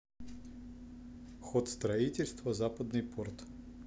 ход строительства западный порт